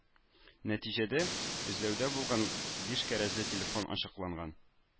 Нәтиҗәдә, эзләүдә булган биш кәрәзле телефон ачыкланган